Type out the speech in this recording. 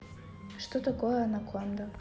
что такое анаконда